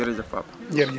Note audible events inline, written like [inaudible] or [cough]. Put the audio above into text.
[noise] jëerëjëf papa